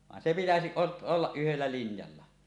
vaan se pitäisi - olla yhdellä linjalla